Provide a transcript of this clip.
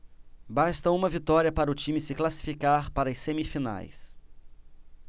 basta uma vitória para o time se classificar para as semifinais